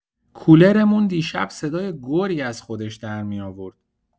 کولرمون دیشب صدای گرگ از خودش درمی‌آورد.